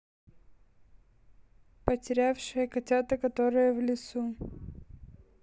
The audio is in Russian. потерявшие котята которые в лесу